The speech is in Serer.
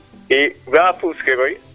i ga'a puus ke koy